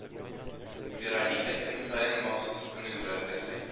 Вероника көн саен махсус күнегүләр ясый